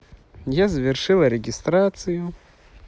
я завершила регистрацию